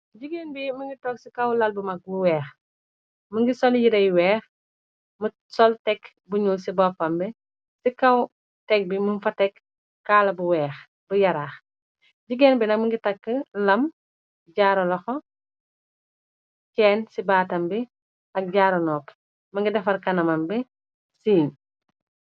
Jigeen bi mi ngi tog ci kaw lal bu mag bu weex, më ngi sol yire yu weex, mu sol tekk bu ñuul ci boppambi, ci kaw teg bi muñ fa tekk kaala bu weex, bu yaraax, jigeen bi na mu ngi takk lam, jaaro loxo, cenn ci baatam bi, ak jaaro noppu, më ngi defar kanamam bi siiñ.